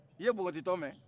i ye bonbonti tɔgɔ mɛn